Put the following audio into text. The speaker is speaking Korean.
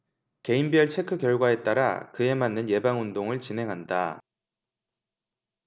개인별 체크 결과에 따라 그에 맞는 예방 운동을 진행한다